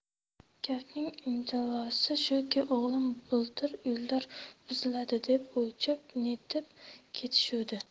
gapning indallosi shuki o'g'lim bultur uylar buziladi deb o'lchab netib ketishuvdi